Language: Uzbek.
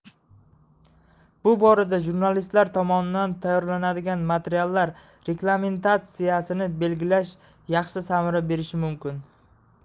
bu borada jurnalistlar tomonidan tayyorlanadigan materiallar reglamentatsiyasini belgilash yaxshi samara berishi mumkin